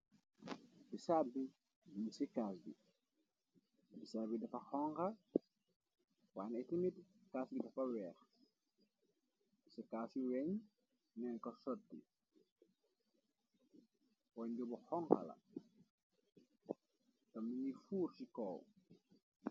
Bisarbi mugi ci caas bi bisarbi dafa xonxa wants tamit kaas bi dafa weex ci kaas yu weñ nyun ko sotti wonju bu xonxa la tex mogi fuur ci kawam.